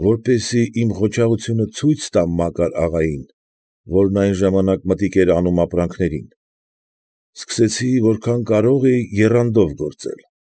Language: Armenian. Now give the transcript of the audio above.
Որպեսզի իմ ղոչաղությունը ցույց տամ Մակար աղային, որն այդ ժամանակ մտիկ էր անում ապրանքներին, սկսեցի որքան կարող էի եռանդով գործել։